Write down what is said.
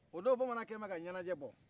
o don bamanan kɛlen bɛ ka ɲɛnajɛ bɔ